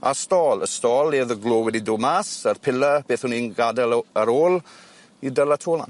A stôl y stôl le o'dd y glo wedi do' mas a'r pillar beth o'n i'n gadel o- ar ôl i dyla to lan.